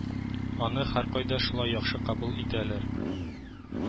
Аны һәркайда шулай яхшы кабул итәләр